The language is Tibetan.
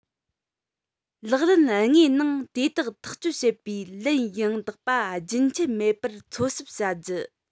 ལག ལེན དངོས ནང དེ དག ཐག གཅོད བྱེད པའི ལན ཡང དག པ རྒྱུན ཆད མེད པར འཚོལ ཞིབ བྱ རྒྱུ